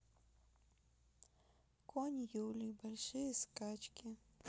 конь юлий большие скачки